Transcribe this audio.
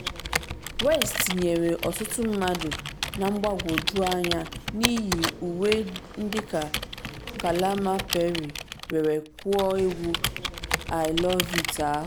West tinyere ọtụtụ mmadụ na mgbagwoju anya n’iyi uwe dịka Kalama Perrier were kụọ egwu I Love it ahụ.